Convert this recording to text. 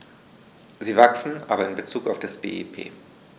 Sie wachsen, aber in bezug auf das BIP.